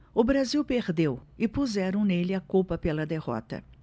o brasil perdeu e puseram nele a culpa pela derrota